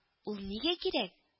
Ул нигә кирәк